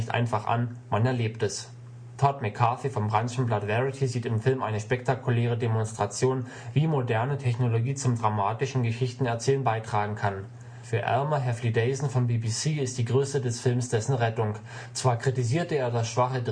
einfach an, man erlebt es. “Todd McCarthy vom Branchenblatt Variety sieht im Film eine „ spektakuläre Demonstration, wie moderne Technologie zum dramatischen Geschichtenerzählen beitragen kann “. Für Almar Haflidason vom BBC ist die Größe des Films dessen Rettung. Zwar kritisierte er das „ schwache Drehbuch